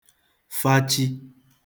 fachi